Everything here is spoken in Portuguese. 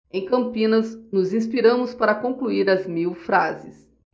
em campinas nos inspiramos para concluir as mil frases